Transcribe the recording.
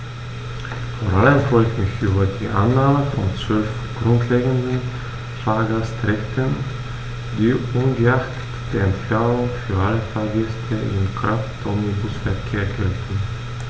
Vor allem freue ich mich über die Annahme von 12 grundlegenden Fahrgastrechten, die ungeachtet der Entfernung für alle Fahrgäste im Kraftomnibusverkehr gelten.